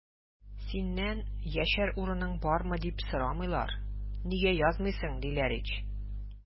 Синнән яшәр урының бармы, дип сорамыйлар, нигә язмыйсың, диләр ич!